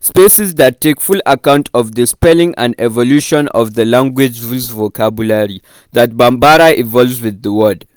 spaces that take full account of the spelling and evolution of the language's vocabulary, that Bambara evolves with the world #identitymatrix